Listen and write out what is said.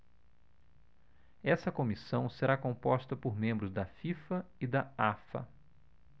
essa comissão será composta por membros da fifa e da afa